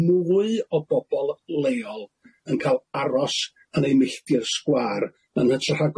mwy o bobol leol yn ca'l aros yn eu milltir sgwâr yn hytrach na